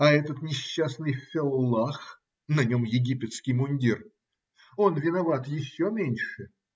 А этот несчастный феллах (на нем египетский мундир)-он виноват еще меньше.